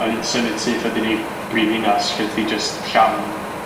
A 'dyn symud syth 'edyn i'r prifddinas lle ti jyst llawn